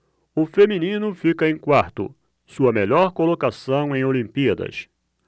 o feminino fica em quarto sua melhor colocação em olimpíadas